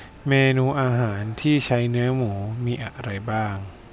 เมนูอาหารที่ใช้เนื้อหมูมีอะไรบ้าง